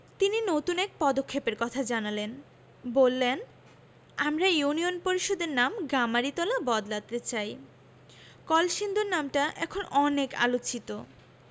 তিনি নতুন এক পদক্ষেপের কথা জানালেন বললেন আমরা ইউনিয়ন পরিষদের নাম গামারিতলা বদলাতে চাই কলসিন্দুর নামটা এখন অনেক আলোচিত